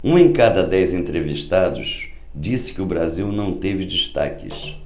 um em cada dez entrevistados disse que o brasil não teve destaques